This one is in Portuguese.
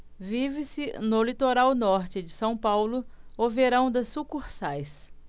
vive-se no litoral norte de são paulo o verão das sucursais